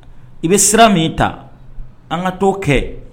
I bɛ sira min ta an ka t kɛ